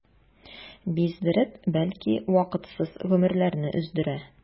Биздереп, бәлки вакытсыз гомерләрне өздерә.